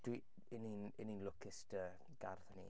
Dwi.. 'y ni'n 'y ni'n lwcus 'da gardd ni.